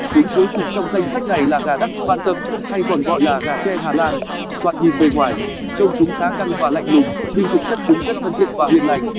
đứng cuối cùng trong danh sách này là gà dutch bantam hay còn gọi là gà tre hà lan thoạt nhìn bề ngoài trông chúng khá căng và lạnh lùng nhưng thực chất chúng rất thân thiện và hiền lành